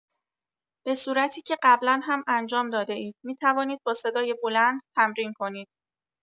به صورتی که قبلا هم انجام داده‌اید، می‌توانید با صدای بلند تمرین کنید.